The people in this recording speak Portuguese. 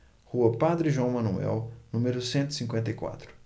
rua padre joão manuel número cento e cinquenta e quatro